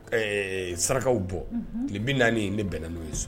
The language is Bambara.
Ɛɛ sarakakaw bɔ tile bɛ naani ne bɛnna n'o ye so